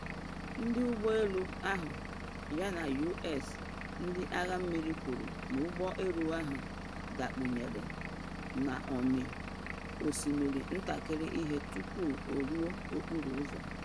Ndị ụgbọ elu ahụ yana U.S. Ndị agha mmiri kwuru na ụgbọ elu ahụ dakpunyere n’ọmị osimiri ntakịrị ihe tupu o ruo okporo ụzọ.